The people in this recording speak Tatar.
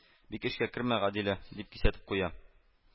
– бик эчкә кермә, гадилә, – дип кисәтеп куя